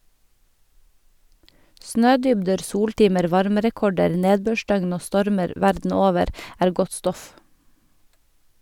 Snødybder, soltimer, varmerekorder, nedbørsdøgn og stormer verden over er godt stoff.